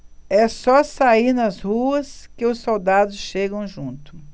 é só sair nas ruas que os soldados chegam junto